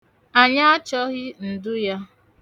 Anyị achọghị ndu ya.